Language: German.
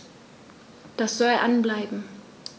Das soll an bleiben.